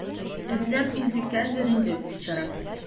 Эзләп интеккәндер инде, бичаракай.